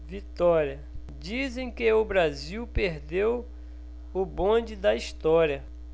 vitória dizem que o brasil perdeu o bonde da história